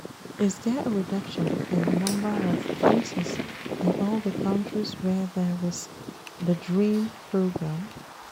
GV: Is there a reduction in the number of cases in all the countries where there is the DREAM programme?